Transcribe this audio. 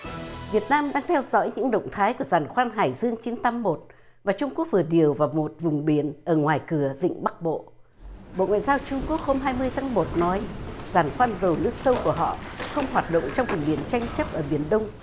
việt nam đang theo dõi những động thái của giàn khoan hải dương chín tám một và trung quốc vừa điều vào một vùng biển ở ngoài cửa vịnh bắc bộ bộ ngoại giao trung quốc hôm hai mươi tháng một nói giàn khoan dầu nước sâu của họ không hoạt động trong vùng biển tranh chấp ở biển đông